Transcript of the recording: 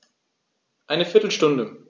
Eine viertel Stunde